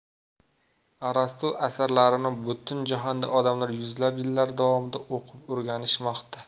arastu asarlarini butun jahonda odamlar yuzlab yillar davomida o'qib o'rganishmoqda